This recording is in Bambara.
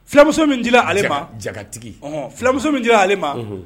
Fulamuso min dila ale ma, ja jagatigi, onhon, fulamuso min dila ale ma, unhun.